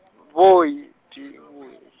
boi, T, .